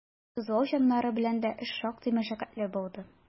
Тозлау чаннары белән дә эш шактый мәшәкатьле булды.